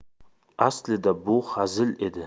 aslida bu hazil edi